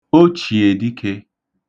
ochìèdikē